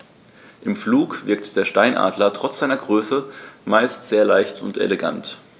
Im Flug wirkt der Steinadler trotz seiner Größe meist sehr leicht und elegant.